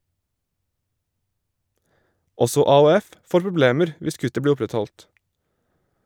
Også AOF får problemer hvis kuttet blir opprettholdt.